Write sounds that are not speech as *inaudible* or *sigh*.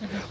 *hesitation* *hesitation*